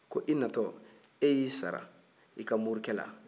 ko i natɔ e y'i sara i ka morikɛ la